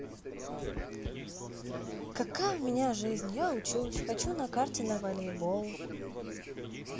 какая у меня жизнь я учусь хочу на карте на волейбол